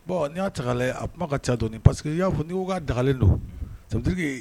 Bon n'i y'a tagalen a kuma ka ca dɔn paseke i y'a fɔ n'u ka dagalen don santigi